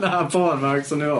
Na porn mags o'n i'n me'wl.